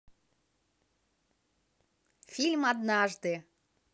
фильм однажды